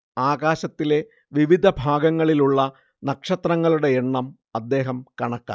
ആകാശത്തിലെ വിവിധ ഭാഗങ്ങളിലുള്ള നക്ഷത്രങ്ങളുടെ എണ്ണം അദ്ദേഹം കണക്കാക്കി